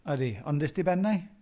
Ydy, ond dest ti i bennai?